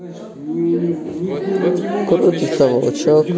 крутится волчок